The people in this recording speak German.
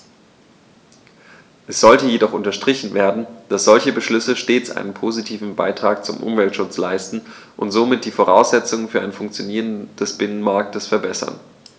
Es sollte jedoch unterstrichen werden, dass solche Beschlüsse stets einen positiven Beitrag zum Umweltschutz leisten und somit die Voraussetzungen für ein Funktionieren des Binnenmarktes verbessern.